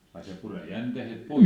ai se puree jänteet poikki